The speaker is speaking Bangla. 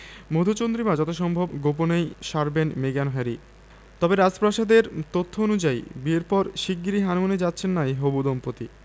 মধুচন্দ্রিমা যথাসম্ভব গোপনেই সারবেন মেগান হ্যারি তবে রাজপ্রাসাদের তথ্য অনুযায়ী বিয়ের পর শিগগিরই হানিমুনে যাচ্ছেন না এই হবু দম্পতি